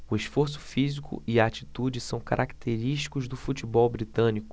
o esforço físico e a atitude são característicos do futebol britânico